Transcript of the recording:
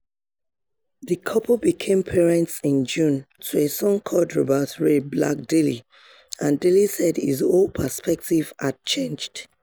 The couple became parents in June, to a son called Robert Ray Black-Daley, and Daley said his "whole perspective" had changed.